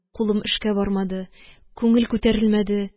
Кулым эшкә бармады. Күңел күтәрелмәде